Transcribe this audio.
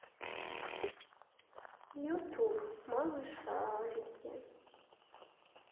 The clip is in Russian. ютуб малышарики